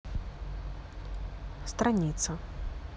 страница